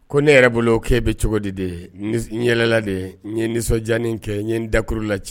Ko ne yɛrɛ bolo kɛ bɛ cogodi de ye yɛlɛla de ye nisɔndiyaani kɛ ɲɛ dakuru lati